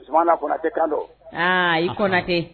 Sumana Kɔnatɛ kan don, aa i Kɔnatɛ